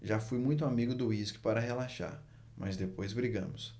já fui muito amigo do uísque para relaxar mas depois brigamos